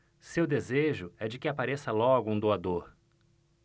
seu desejo é de que apareça logo um doador